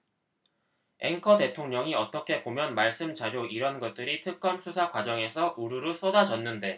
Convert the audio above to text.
앵커 대통령이 어떻게 보면 말씀자료 이런 것들이 특검 수사 과정에서 우루루 쏟아졌는데